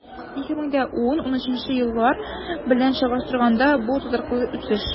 2010-2013 еллар белән чагыштырганда, бу тотрыклы үсеш.